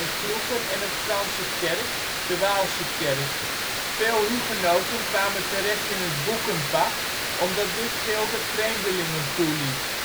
kroegen en een Franse kerk (de Waalse kerk). Veel hugenoten kwamen terecht in het boekenvak, omdat dit gilde vreemdelingen toeliet